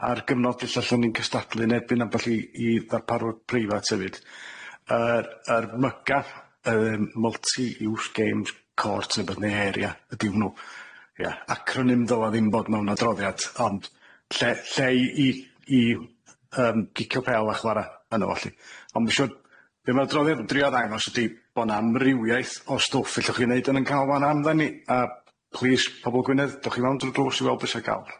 ar gyfnod ella lle 'dan ni'n cystadlu yn erbyn a ballu i ddarparwyr preifat hefyd yrr yr my gy a yr multi-use games court ne' rwbeth ne' area ydi hwnnw ia acronym ddyla ddim bod mewn adroddiad ond lle, lle i i yym gicio pêl a chwara yn'o fo lly, ond ma' siŵr be ma'r adroddiad yn drio'i ddangos ydi bo 'na amrywiaeth o stwff ellwch chi neud yn yn canolfanna hamdden ni a plîs pobol Gwynedd dowch i mewn drw'r drws i weld be' sy' i ga'l.